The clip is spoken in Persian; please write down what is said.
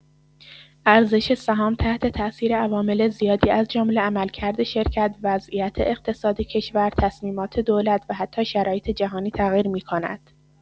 ارزش سهام تحت‌تأثیر عوامل زیادی از جمله عملکرد شرکت، وضعیت اقتصاد کشور، تصمیمات دولت و حتی شرایط جهانی تغییر می‌کند.